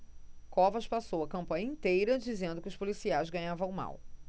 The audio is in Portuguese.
covas passou a campanha inteira dizendo que os policiais ganhavam mal